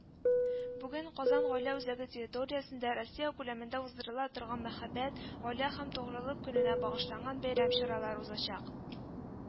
Бүген, Казан гаилә үзәге территориясендә Россия күләмендә уздырыла торган Мәхәббәт, гаилә һәм тугрылык көненә багышланган бәйрәм чаралары узачак